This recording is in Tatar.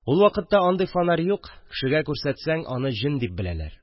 Ул вакытта андый фонарь юк – кешегә күрсәтсәң, аны җен дип беләләр